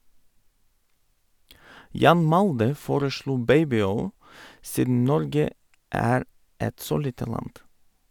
Jan Malde foreslo "Babyoil", siden Norge er et så lite land.